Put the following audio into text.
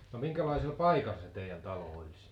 no minkälaisella paikalla se teidän talo oli siellä